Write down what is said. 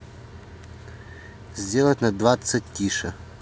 сделай на двадцать тише